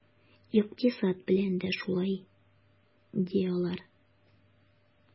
Икътисад белән дә шулай, ди алар.